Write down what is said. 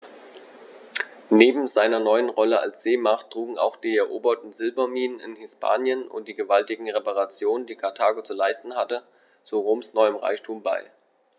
Neben seiner neuen Rolle als Seemacht trugen auch die eroberten Silberminen in Hispanien und die gewaltigen Reparationen, die Karthago zu leisten hatte, zu Roms neuem Reichtum bei.